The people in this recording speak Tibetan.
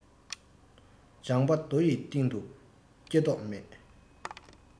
ལྗང པ རྡོ ཡི སྟེང དུ སྐྱེ མདོག མེད